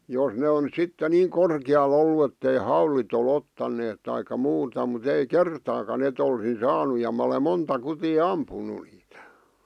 jos ne on sitten niin korkealla ollut että ei haulit ole ottaneet tai muuta mutta ei kertaakaan että olisin saanut ja minä olen monta kutia ampunut niitä